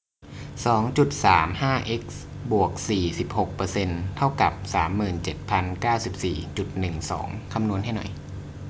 สองจุดสามห้าเอ็กซ์บวกสี่สิบหกเปอร์เซนต์เท่ากับสามหมื่นเจ็ดพันเก้าสิบสี่จุดหนึ่งสองคำนวณให้หน่อย